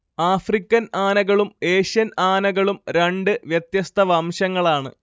African ആനകളും Asian ആനകളും രണ്ട് വ്യത്യസ്ത വംശങ്ങളാണ്